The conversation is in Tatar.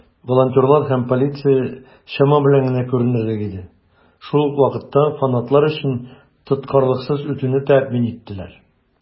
Волонтерлар һәм полиция чама белән генә күренерлек иде, шул ук вакытта фанатлар өчен тоткарлыксыз үтүне тәэмин иттеләр.